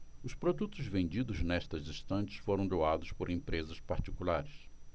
os produtos vendidos nestas estantes foram doados por empresas particulares